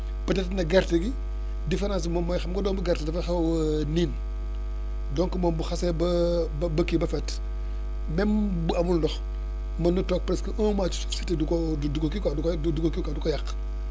peut être ne gerte gi différence bi moom mooy xam nga doomu gerte dafa xaw a niin donc moom bu xasee ba ba kii ba fett même bu amul ndox mën na toog presque un mois ci si te du ko du ko kii quoi du ko du ko kii quoi du ko yàq